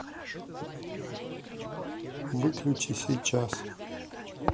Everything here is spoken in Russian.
выключи сейчас